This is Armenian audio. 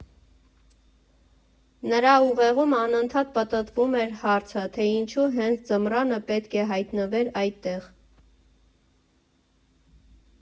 Նրա ուղեղում անընդհատ պտտվում էր հարցը, թե ինչու հենց ձմռանը պետք է հայտնվեր այդտեղ։